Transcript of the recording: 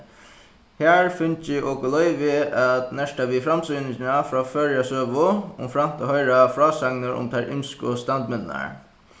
har fingu okur loyvi at nerta við framsýningina frá føroya søgu umframt at hoyra frásagnir um tær ymisku standmyndirnar